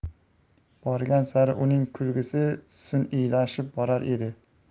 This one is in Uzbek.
borgan sari uning kulgisi suniylashib borar edi